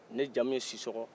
ne jamu ye sisɔkɔ